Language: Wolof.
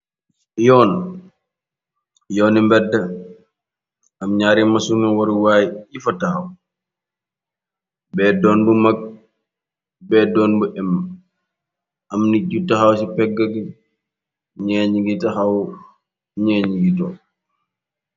Yoon yooni mbede am ñaare maseno waru waay yi fa taaw bee doon bu mag bee doon bu em am nit yu taxaw ci pegabe ñye nuge taxaw nye nuge tonke.